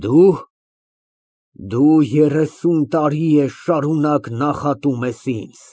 Դո՞ւ։ Դու երեսուն տարի է շարունակ նախատում ես ինձ։